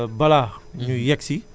balaa